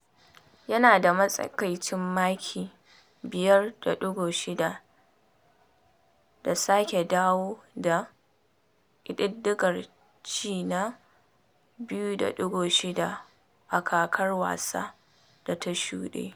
Yana da matsakaicin maki 5.6 da sake dawo da ƙididdigar ci na 2.6 a kakar wasa da ta shuɗe.